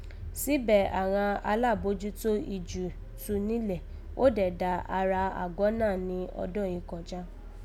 Síbẹ̀, aghan alábòójútó ijù tu nílẹ̀, ó dẹ̀ dà ara àgọ́ náà ni ọdọ́n yìí kọjá